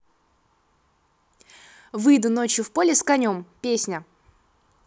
выйду ночью в поле с конем песня